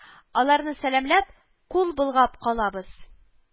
Аларны сәламләп, кул болгап калабыз